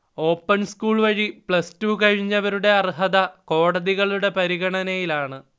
open സ്കൂൾവഴി plus two കഴിഞ്ഞവരുടെ അർഹത കോടതികളുടെ പരിഗണനയിലാണ്